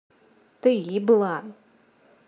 ты еблан